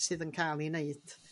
sydd yn ca'l 'i neud.